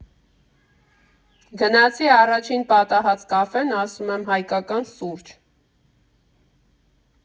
Գնացի առաջին պատահած կաֆեն, ասում եմ՝ հայկական սուրճ։